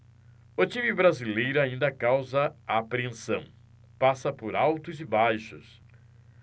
o time brasileiro ainda causa apreensão passa por altos e baixos